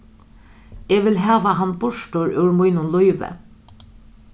eg vil hava hann burtur úr mínum lívi